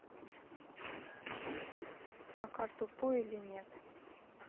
макар тупой или нет